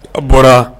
A bɔra